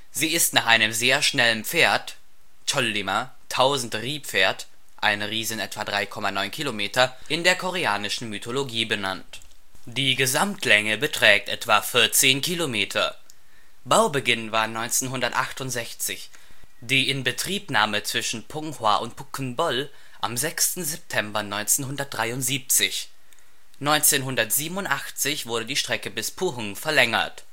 Sie ist nach einem sehr schnellen Pferd (Ch’ ŏllima = Tausend-Ri-Pferd; ein Ri sind etwa 3,9 km) in der koreanischen Mythologie benannt. Die Gesamtlänge beträgt etwa 14 km. Baubeginn war 1968, die Inbetriebnahme zwischen Ponghwa und Pukkŭnbŏl am 6. September 1973. 1987 wurde die Strecke bis Puhŭng verlängert